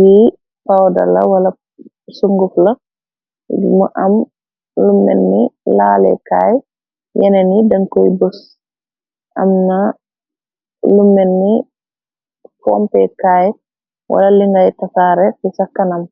yi pooda la wala sunguf la mu am lu menni laalekaay yene ni dënkuy bos amna lu menni pompekaay wala li ngay tafaare di ca kanam.